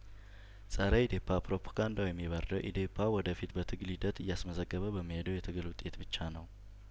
ጸረ ኢዴፓ ፕሮፓጋንዳው የሚበርደው ኢዴፓ ወደፊት በትግል ሂደት እያስመዘገበ በሚሄደው የትግል ውጤት ብቻ ነው